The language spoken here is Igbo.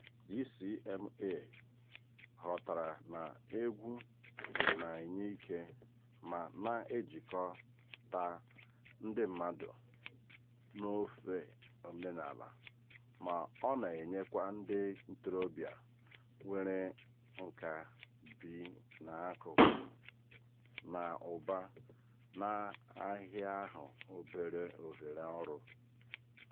DCMA ghọtara na egwu na-enye ike ma na-ejikọta ndị mmadụ n'ofe omenaala — ma ọ na-enyekwa ndị ntorobịa nwere nkà bi na akụ na ụba na-ahịahụ obere ohere ọrụ.